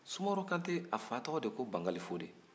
sumaworo kantɛ n'a fa tɔgɔle ko bankalifode